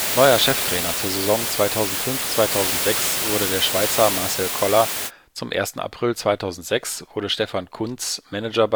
Neuer Cheftrainer zur Saison 2005/06 wurde der Schweizer Marcel Koller; zum 1. April 2006 wurde Stefan Kuntz Manager